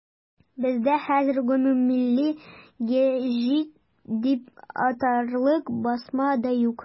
Бездә хәзер гомуммилли гәҗит дип атарлык басма да юк.